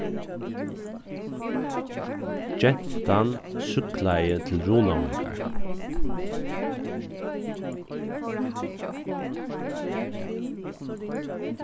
gentan súkklaði til runavíkar